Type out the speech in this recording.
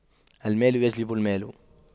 المال يجلب المال